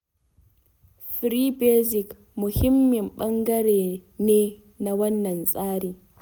Free Basic'' muhimmin ɓangare ne na wannan tsari.